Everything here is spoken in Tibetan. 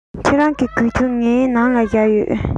ཁྱེད རང གི གོས ཐུང ངའི ནང ལ བཞག ཡོད